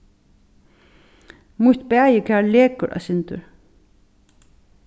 mítt baðikar lekur eitt sindur